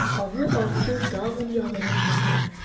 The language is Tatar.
Аны Алсу тагын ялынып чакыра.